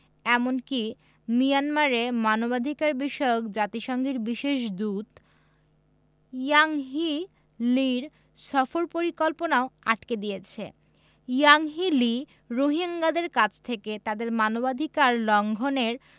এমনকি মিয়ানমারে মানবাধিকারবিষয়ক জাতিসংঘের বিশেষ দূত ইয়াংহি লির সফর পরিকল্পনাও আটকে দিয়েছে ইয়াংহি লি রোহিঙ্গাদের কাছ থেকে তাদের মানবাধিকার লঙ্ঘনের